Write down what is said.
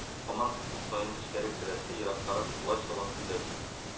Һаман саен эчкәрәк керәсе, ераккарак колач саласы килә бит